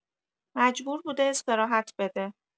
مجبور بوده استراحت بده